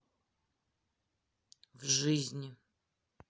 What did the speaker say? в жизни